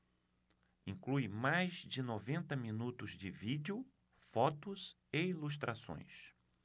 inclui mais de noventa minutos de vídeo fotos e ilustrações